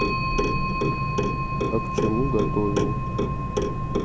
а к чему готовила